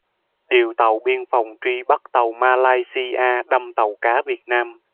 điều tàu biên phòng truy bắt tàu malaysia đâm tàu cá việt nam